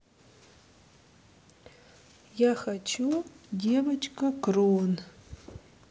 я хочу девочка крон